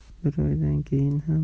bir oydan keyin ham